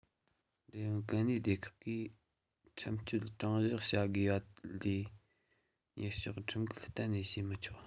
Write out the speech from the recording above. འབྲེལ ཡོད འགན ནུས སྡེ ཁག གིས ཁྲིམས གཅོད དྲང གཞག བྱ དགོས པ ལས ཉེར ཕྱོགས ཁྲིམས འགལ གཏན ནས བྱས མི ཆོག